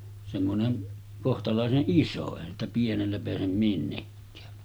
semmoinen kohtalaisen iso eihän sitä pienellä pääse minnekään